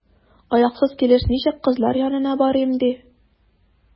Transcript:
Аяксыз килеш ничек кызлар янына барыйм, ди?